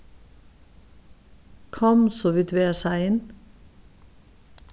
kom so vit verða sein